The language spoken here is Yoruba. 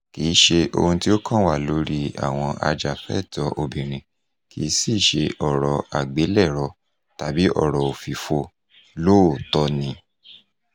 Kì í ṣe ohun tí ó kàn wá lórí àwọn ajàfúnẹ̀tọ́ obìnrin, kì í sì í ṣe ọ̀rọ̀ àgbélẹ̀rọ tàbí ọ̀rọ̀ òfìfo, LÓÒÓTỌ́ NI!